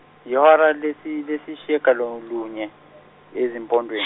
yihora lesi- lesishagalolunye ezimpondweni.